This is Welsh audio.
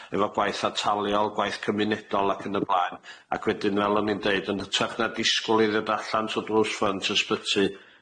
efo gwaith ataliol, gwaith cymunedol, ac yn y blaen. Ac wedyn fel o'n i'n deud, yn hytrach na disgwl iddi ddod allan trw drws ffrynt y sbyty